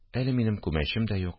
– әле минем күмәчем дә юк